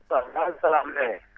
waaw Daarou Salaam